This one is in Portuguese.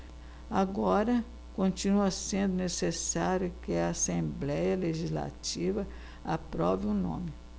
agora continua sendo necessário que a assembléia legislativa aprove o nome